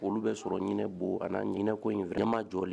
Olu bɛ sɔrɔ ɲinin bon a ɲinin ko in fɛ nema jɔlen